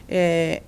Ee